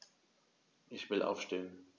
Ich will aufstehen.